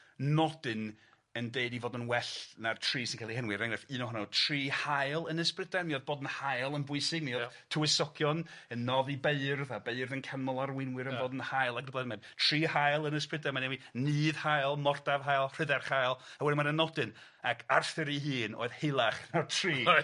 nodyn yn deud ei fod yn well na'r tri sy'n cael 'u henwi er enghraifft, un ohonyn nw tri hael yn Ynys Brydain, mi o'dd bod yn hael yn bwysig mi o'dd... Ia. ...tywysogion yn noddi beirdd, a beirdd yn canmol arweinwyr yn bod yn hael ag Mae'r tri hael yn Ynys Prydain, mae'n enwi Nudd hael, Mordaf hael, Rhydderch hael a wedyn ma' 'na nodyn ac Arthur ei hun oedd healach na'r tri. Reit.